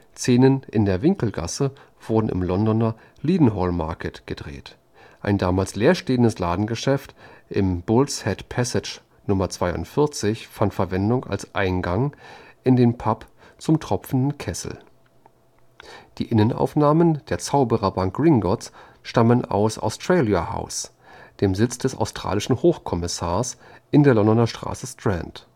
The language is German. Szenen in der Winkelgasse wurden im Londoner Leadenhall Market gedreht; ein damals leerstehendes Ladengeschäft in Bull’ s Head Passage Nummer 42 fand Verwendung als Eingang in den Pub Zum Tropfenden Kessel. Die Innenaufnahmen der Zauberbank Gringotts stammen aus Australia House, dem Sitz des australischen Hochkommissars in der Londoner Straße Strand